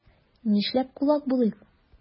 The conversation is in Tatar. Нишләп кулак булыйк?